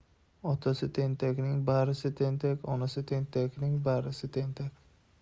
otasi tentakning birisi tentak onasi tentakning barisi tentak